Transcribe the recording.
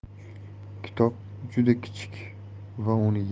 kitob juda kichik va uni